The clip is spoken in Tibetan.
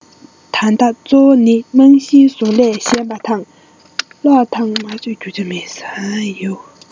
ད ལྟ གཙོ བོ ནི རྨང གཞིའི བཟོ ལས ཞན པ དང གློག དང མ བཅོས རྒྱུ ཆ མེད